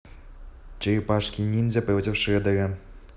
черепашки ниндзя против шредера